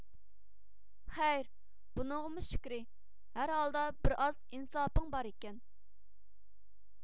خەير بۇنىڭغىمۇ شۈكرى ھەر ھالدا بىر ئاز ئىنساپىڭ بار ئىكەن